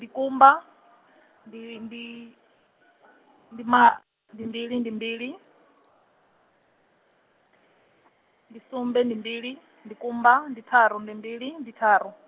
ndi kumba , ndi ndi, ndi ma- ndi mbili ndi mbili, ndi sumbe ndi mbili, ndi kumba ndi ṱharu ndi mbili, ndi ṱharu.